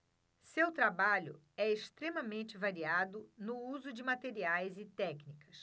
seu trabalho é extremamente variado no uso de materiais e técnicas